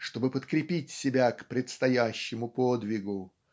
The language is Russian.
чтобы подкрепить себя к предстоящему подвигу.